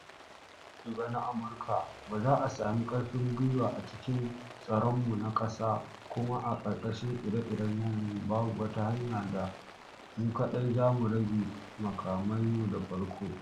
“Ba tare da kowane aminci ba na Amurka ba za a sami ƙarfin gwiwa a cikin tsaronmu na ƙasa kuma a ƙarƙashin ire-iren yanayin babu wata hanya da mu kaɗai za mu rage makamai mu da farko.”